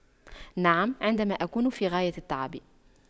نعم عندما أكون في غاية التعب